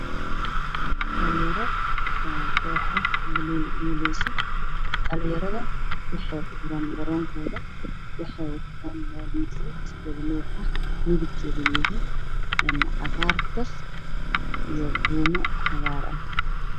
Waa dhalinyaro koox ah oo banooni dheeleyso oo kujiro garoonkooda waxay wataan maalidyo isku nuuc ah oo midabkoodu uu yahay cagaar tiq ah iyo buume cagaar ah.